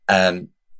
yym